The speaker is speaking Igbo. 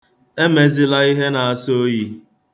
Emezịla ihe na-asọ oyi.